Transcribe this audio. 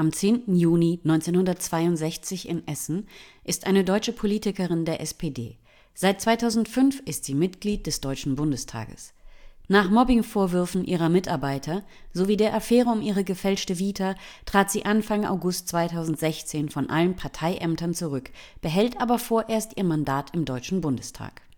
10. Juni 1962 in Essen) ist eine deutsche Politikerin (SPD). Seit 2005 ist sie Mitglied des Deutschen Bundestages. Nach Mobbingvorwürfen ihrer Mitarbeiter sowie der Affäre um ihre gefälschte Vita trat sie Anfang August 2016 von allen Parteiämtern zurück, behält aber vorerst ihr Mandat im deutschen Bundestag